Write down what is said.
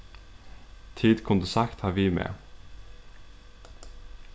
tit kundu sagt tað við meg